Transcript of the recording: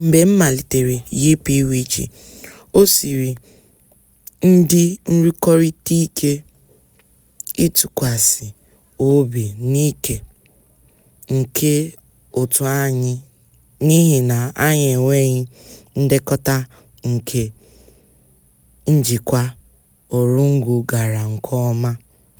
Mgbe m malitere YPWC, o siiri ndị nrụkọrịta ike ịtụkwasị obi n'ikike nke òtù anyị n'ịhị na anyị enweghị ndekọta nke njikwa ọrụngo gara nke ọma.